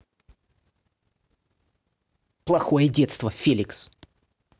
плохое детство феликс